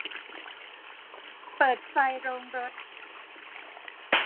เปิดไฟโรงรถ